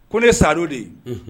Ko ne de ye, un.